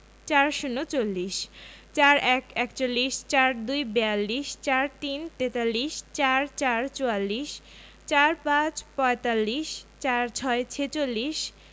৪০ - চল্লিশ ৪১ - একচল্লিশ ৪২ - বিয়াল্লিশ ৪৩ - তেতাল্লিশ ৪৪ – চুয়াল্লিশ ৪৫ - পঁয়তাল্লিশ ৪৬ - ছেচল্লিশ